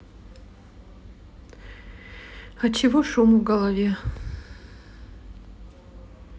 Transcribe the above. отчего шум в голове